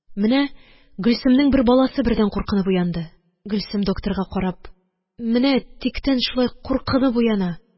Менә Гөлсемнең бер баласы бердән куркынып уянды. Гөлсем, докторга карап: – Менә тиктән шулай куркынып уяна,